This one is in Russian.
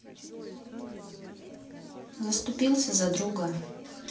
заступился за друга